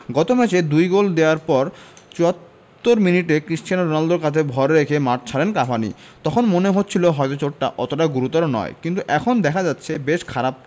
গত ম্যাচে দুই গোল দেওয়ার পর ৭৪ মিনিটে ক্রিস্টিয়ানো রোনালদোর কাঁধে ভর রেখে মাঠ ছাড়েন কাভানি তখন মনে হচ্ছিল হয়তো চোটটা অতটা গুরুতর নয় কিন্তু এখন দেখা যাচ্ছে বেশ খারাপ